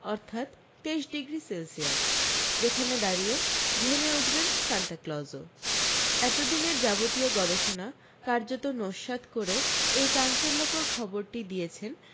অর্থাৎ তেইশ degree Celsius যেখানে দাঁড়িয়ে ঘেমে উঠবেন সান্টা ক্লজও এত দিনের যাবতীয় গবেষণা কার্যত নস্যাত করে এই চাঞ্চল্যকর খবরটি দিয়েছেন